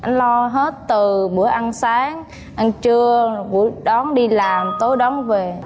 anh lo hết từ bữa ăn sáng ăn trưa rồi đón đi làm tối đón về